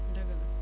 dëgg la